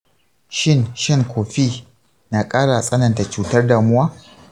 shin shan kofi na ƙara tsananta cutar damuwa?